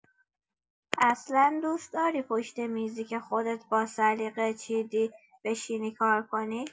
اصلا دوست‌داری پشت میزی که خودت با سلیقه چیدی بشینی کار کنی؟